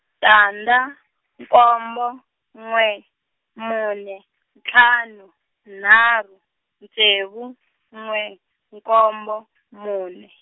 tandza, nkombo, n'we, mune , ntlhanu, nharhu, ntsevu , n'we, nkombo , mune.